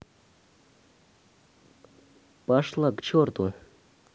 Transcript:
пошла к черту